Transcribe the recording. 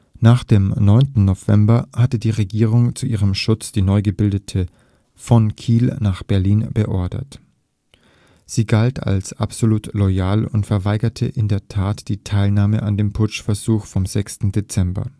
Nach dem 9. November hatte die Regierung zu ihrem Schutz die neu gebildete Volksmarinedivision von Kiel nach Berlin beordert. Sie galt als absolut loyal und verweigerte in der Tat die Teilnahme an dem Putschversuch vom 6. Dezember